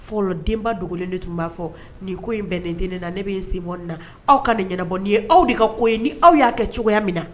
Fɔlɔ denba dogolen de tun b'a fɔ nin ko in bɛn ne deni ne na ne bɛ n senbon na aw ka nin ɲɛnabɔ n' ye aw de ka ko ye ni aw y'a kɛ cogoya min na